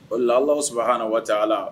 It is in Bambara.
O la Alahuw sabahana wataala